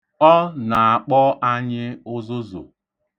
Ọ na-akpọ anyị ụzụzụ.